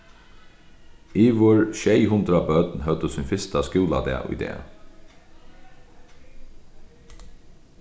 yvir sjey hundrað børn høvdu sín fyrsta skúladag í dag